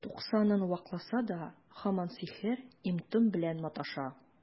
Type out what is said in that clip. Туксанын вакласа да, һаман сихер, им-том белән маташа.